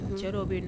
Cɛ dɔw bɛ yen nɔn.